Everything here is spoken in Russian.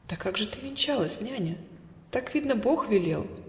- "Да как же ты венчалась, няня?" - Так, видно, бог велел.